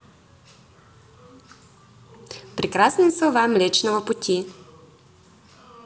прекрасные слова млечного пути